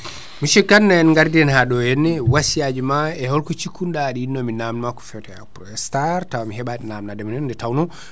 monsieur Kane en gardihen ha ɗo henna wassiyaji ma e holko cikkunoɗa aɗa yinno mi namdo ma ko fewte Aprostar taw mi heeɓani nandade ɗum henna nde tawno